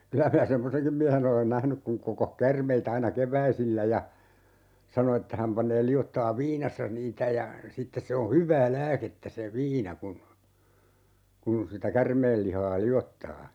kyllä minä semmoisenkin miehen olen nähnyt kun kokosi käärmeitä aina keväisillä ja sanoi että hän panee liottaen viinassa niitä ja sitten se on hyvää lääkettä se viina kun kun sitä käärmeen lihaa liottaa